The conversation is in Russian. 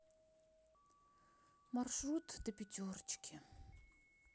маршрут до пятерочки